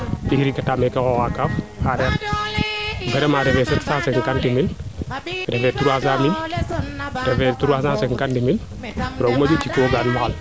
ring ata meeke xoxat kaaf areer vraiment refee 750 Mille refe 300 mille to refe 350 mille reeg moƴu jik wooganum xaal